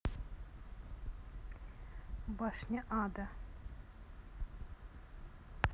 башня ада